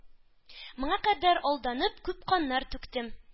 Моңа кадәр алданып, күп каннар түктем;